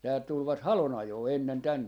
täältä tulivat halonajoon ennen tänne